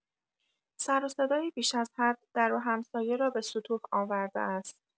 سر و صدای بیش از حد، در و همسایه را به سطوح آورده است.